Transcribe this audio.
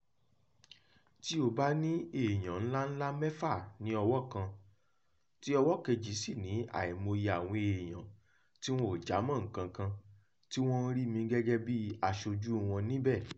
Tí o bá ní èèyàn ńláńlá mẹ́fà ní ọwọ́ kan, tí ọwọ́ kejì sì ní àìmọye àwọn èèyàn tí wọn ò jámọ́ nǹkan tí wọ́n ń rí mi gẹ́gẹ́ bí aṣojú wọn níbẹ̀.